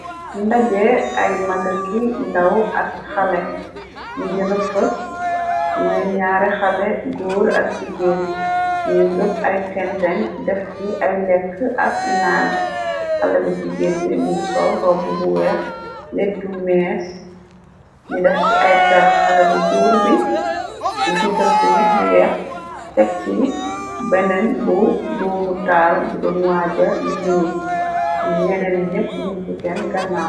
Ndaje ay maga ki ndaw ak xale ni gëna fës mooy ñaare xale góur ak jigéen ni ngëpp ay tentang def ci ay lekk ak naan xale bu jigéen bi mingi sol rob bu weex letu mees ni def ci ay per xale bu goor bi geatal simis bu weex tek ci benen bu duumu taal bu doon waaja ñuul ñeneen ñepp ninku seen gannaam.